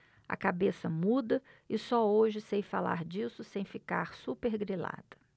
a cabeça muda e só hoje sei falar disso sem ficar supergrilada